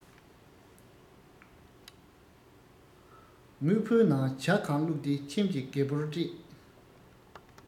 དངུལ ཕོར ནང ཇ གང བླུགས ཏེ ཁྱིམ ཀྱི རྒད པོར སྤྲད